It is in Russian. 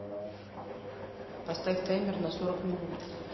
поставь таймер на сорок минут